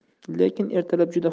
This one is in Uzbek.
lekin ertalab juda